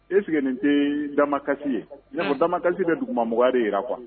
Est ce que nin tee damakasi ye unhun ne ko damakasi be dugumamɔgɔya de yira quoi